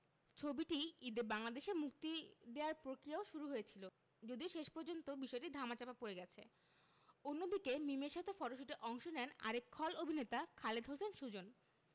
ছবিটি ঈদে বাংলাদেশে মুক্তি দেয়ার প্রক্রিয়াও শুরু হয়েছিল যদিও শেষ পর্যন্ত বিষয়টি ধামাচাপা পড়ে গেছে অন্যদিকে মিমের সাথে ফটশুটে অংশ নেন আরেক খল অভিনেতা খালেদ হোসেন সুজন